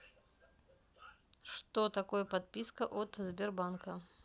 что такое подписка от сбербанка